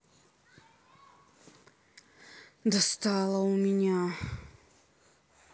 достала у меня